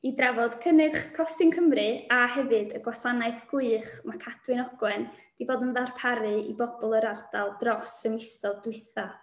I drafod cynnyrch Cosyn Cymru a hefyd y gwasanaeth gwych mae Cadwyn Ogwen 'di bod yn ddarparu i bobl yr ardal dros y misoedd dwytha.